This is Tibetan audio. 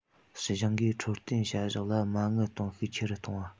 སྲིད གཞུང གིས འཕྲོད བསྟེན བྱ གཞག ལ མ དངུལ གཏོང ཤུགས ཆེ རུ བཏང བ